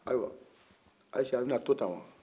ayiwa ayisa bɛna to tan wa